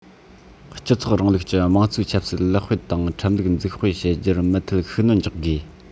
སྤྱི ཚོགས རིང ལུགས ཀྱི དམངས གཙོའི ཆབ སྲིད ལེགས སྤེལ དང ཁྲིམས ལུགས འཛུགས སྤེལ བྱ རྒྱུར མུ མཐུད ཤུགས སྣོན རྒྱག དགོས